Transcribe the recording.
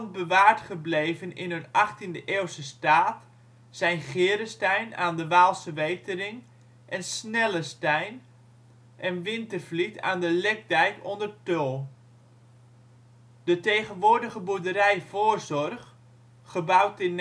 bewaard gebleven in hun 18de eeuwse staat zijn Geerestein aan de Waalsewetering en Snellestein en Wintervliet aan de Lekdijk onder Tull. De tegenwoordige boerderij Voorzorg (gebouwd in